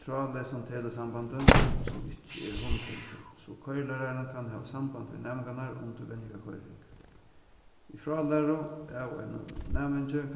tráðleysum telesambandi sum ikki er hondhildið so koyrilæraran kann hava samband við næmingarnar undir venjingarkoyring við frálæru av einum næmingi